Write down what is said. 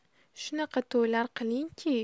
shunaqa to'ylar qilingki